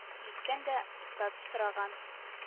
Җиткән дә, туктатып сораган: